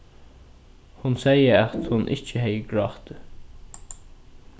hon segði at hon ikki hevði grátið